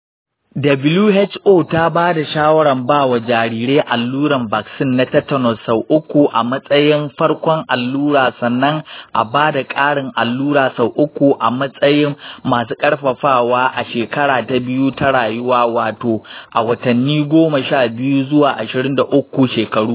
who ta ba da shawarar ba wa jarirai allurar vaccine na tetanus sau uku a matsayin farkon allura, sannan a ba da ƙarin allura sau uku a matsayin masu ƙarfafawa a shekara ta biyu ta rayuwa, wato a watanni goma sha biyu zuwa ashirin da uku, shekaru huɗu zuwa bakwai, da shekaru tara zuwa goma sha biyar.